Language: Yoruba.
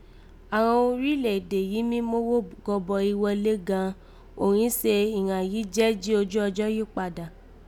Àghan orílẹ̀ èdè yìí mí móghó gọbọi wọ̀lé gan an òghun se ìghàn yìí jẹ́ jí ojú ọjọ́ yìí kpadà